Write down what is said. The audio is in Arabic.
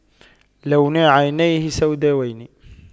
لونا عينيه سوداوين